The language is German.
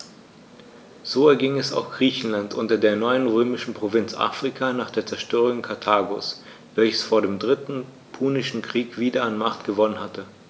So erging es auch Griechenland und der neuen römischen Provinz Afrika nach der Zerstörung Karthagos, welches vor dem Dritten Punischen Krieg wieder an Macht gewonnen hatte.